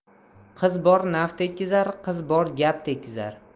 qiz bor naf tekizar qiz bor gap tekizar